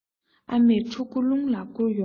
ཨ མས ཕྲུ གུ རླུང ལ བསྐུར ཡོང ངོ